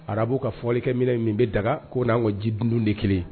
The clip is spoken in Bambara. Arabuw ka fɔlikɛminɛ min bɛ daga k'o n'anw ka jidunu de ye kelen ye